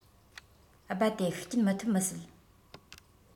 རྦད དེ ཤུགས རྐྱེན མི ཐེབས མི སྲིད